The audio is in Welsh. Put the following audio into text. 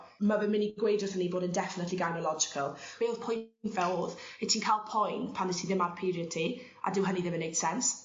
ma' fe myn' i gweud wthon ni bod yn definately gynalogical be' odd pwynt 'na o'dd 'yt ti'n ca'l poen pan 'yt ti ddim ar period ti a dyw hynny ddim yn neud sense